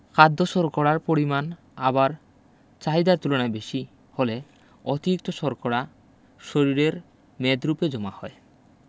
খাদ্য শর্করার পরিমাণ আবার চাহিদার তুলনায় বেশি হলে অতিরিক্ত শর্করা শরীরে মেদরুপে জমা হয়